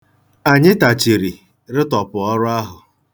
Anyị tachiri, rụtọpụ ọrụ ahụ.